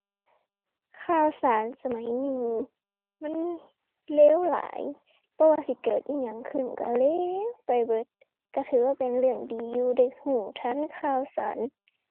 ข่าวสารสมัยนี้ มันเร็วหลาย บ่ว่าสิเกิดอิหยังขึ้นก็เร็วไปเบิด ก็ถือว่าเป็นเรื่องดีอยู่ ได้ก็ทันข่าวสาร